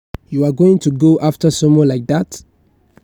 "You're going to go after someone like that?